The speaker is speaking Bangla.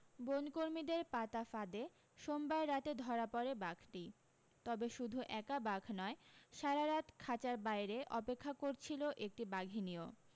বনকর্মীদের পাতা ফাঁদে সোমবার রাতে ধরা পড়ে বাঘটি তবে শুধু একা বাঘ নয় সারা রাত খাঁচার বাইরে অপেক্ষা করছিল একটি বাঘিনীও